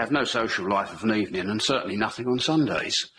have no social life of an evening and certainly nothing on Sundays.